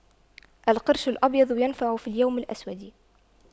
القرش الأبيض ينفع في اليوم الأسود